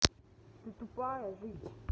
ты тупая жить